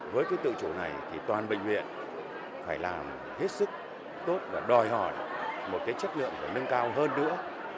với cái tự chủ này thì toàn bệnh viện phải làm hết sức tốt đòi hỏi một cái chất lượng và nâng cao hơn nữa